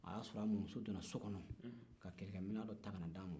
o y'a sɔrɔ a mamuso donna so kɔnɔ ka kɛlɛ kɛ minɛ dɔ ta ka na d'a ma